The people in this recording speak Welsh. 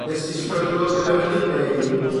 Nest ti stryglo gyda hynny neu?